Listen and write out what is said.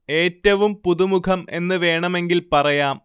ഏറ്റവും പുതുമുഖം എന്നു വേണമെങ്കില്‍ പറയാം